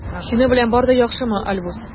Синең белән бар да яхшымы, Альбус?